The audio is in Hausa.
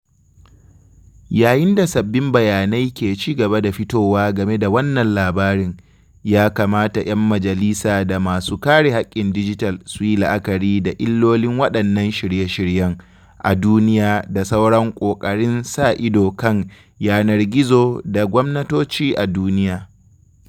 Yayin da sabbin bayanai ke ci gaba da fitowa game da wannan labarin, ya kamata ‘yan majalisa da masu kare haƙƙin dijital su yi la’akari da illolin waɗannan shirye-shiryen a duniya da sauran ƙoƙarin sa ido kan yanar gizo daga gwamnatoci a duniya.